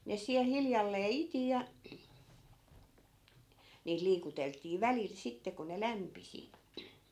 ne siellä hiljalleen iti ja niitä liikuteltiin välillä sitten kun ne lämpisi